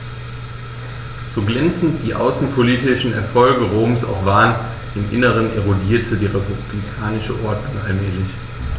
So glänzend die außenpolitischen Erfolge Roms auch waren: Im Inneren erodierte die republikanische Ordnung allmählich.